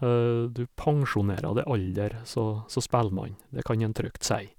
Du pensjonerer deg aldri så som spellmann, det kan en trygt si.